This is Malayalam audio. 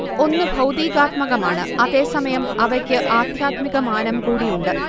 ഒന്ന് ഭൌതികാത്മികമാണ്, അതേസമയം, അവയ്ക്ക് ആധ്യാത്മികമാനം കൂടിയുണ്ട്